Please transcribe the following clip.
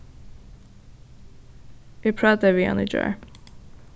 eg prátaði við hann í gjár